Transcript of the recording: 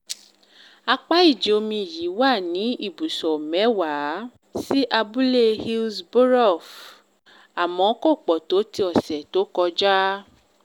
Àpá ìjì omi yìí wà ní ibùsọ̀ 10 sí abúlé Hillsborough, àmọ́ kò pọ̀ tó ti ọ̀sẹ̀ tó kọjá.